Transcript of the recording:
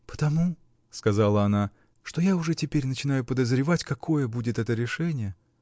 -- Потому, -- сказала она, -- что я уже теперь начинаю подозревать, какое будет это решение.